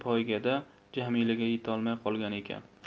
poygada jamilaga yetolmay qolgan ekan